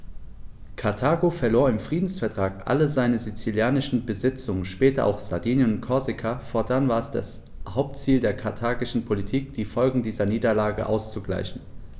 Karthago verlor im Friedensvertrag alle seine sizilischen Besitzungen (später auch Sardinien und Korsika); fortan war es das Hauptziel der karthagischen Politik, die Folgen dieser Niederlage auszugleichen.